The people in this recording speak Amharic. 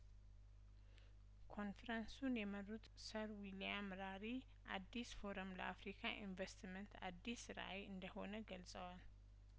ኮንፍረንሱን የመሩት ስር ዊሊያም ራሪ አዲስ ፎረም ለአፍሪካ ኢንቬስተመንት አዲስ ራእይ እንደሆነ ገልጸዋል